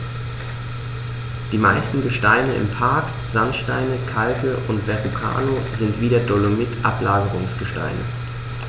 Die meisten Gesteine im Park – Sandsteine, Kalke und Verrucano – sind wie der Dolomit Ablagerungsgesteine.